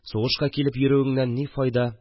Сугышка килеп йөрүеңнән ни файда